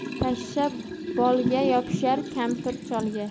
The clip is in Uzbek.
pashsha bolga yopishar kampir cholga